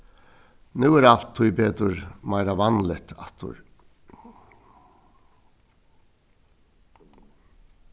nú er alt tíbetur meira vanligt aftur